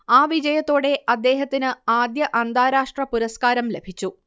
ആ വിജയത്തോടെ അദ്ദേഹത്തിന് ആദ്യ അന്താരാഷ്ട്ര പുരസ്കാരം ലഭിച്ചു